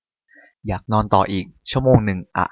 อยากนอนต่ออีกชั่วโมงนึงอะ